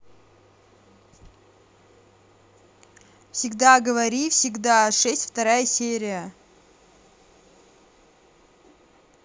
всегда говори всегда шесть вторая серия